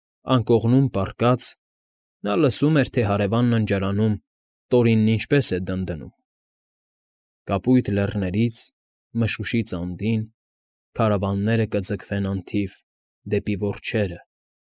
Անկողնում պառկած՝ նա լսում էր, թե հարևան ննջարանում Տորինն ինչպես է դնդնում. Կապույտ լեռներից, մշուշից անդին Քարավանները կձգվեն անթիվ Դեպի որջերը,